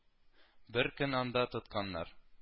Бер көн анда тотканнар